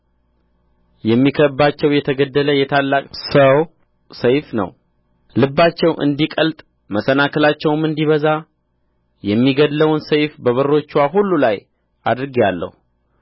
የሚከብባቸው የተገደለ የታላቅ ሰው ሰይፍ ነው ልባቸው እንዲቀልጥ መሰናክላቸውም እንዲበዛ የሚገድለውን ሰይፍ በበሮቻቸው ሁሉ ላይ አድርጌአለሁ